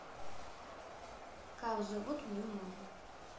как зовут мою маму